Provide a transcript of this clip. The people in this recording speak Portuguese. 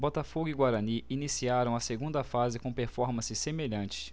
botafogo e guarani iniciaram a segunda fase com performances semelhantes